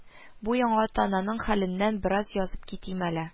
Бу яңа ата-анамның хәленнән бераз язып китим әле